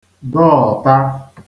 dọ̀ọ̀ta